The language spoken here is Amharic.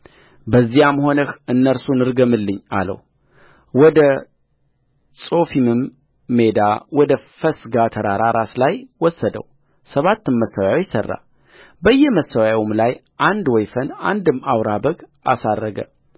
በዚያም ሆነህ እነርሱን ርገምልኝ አለውወደ ጾፊምም ሜዳ ወደ ፈስጋ ተራራ ራስ ላይ ወሰደው ሰባትም መሠዊያዎች ሠራ በየመሠዊያውም ላይ አንድ ወይፈን አንድም አውራ በግ አሳረገ